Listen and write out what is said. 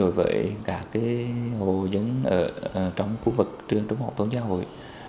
đối với các cái hộ dân ở trong khu vực trường trung học tôn giáo hội